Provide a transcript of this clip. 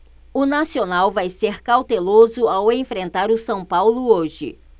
o nacional vai ser cauteloso ao enfrentar o são paulo hoje